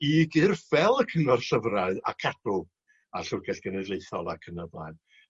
i gyrff fel y cyngor llyfrau a Cadw a'r llyfrgell genedlaethol ac yn y blaen.